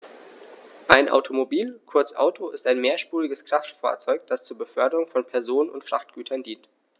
Ein Automobil, kurz Auto, ist ein mehrspuriges Kraftfahrzeug, das zur Beförderung von Personen und Frachtgütern dient.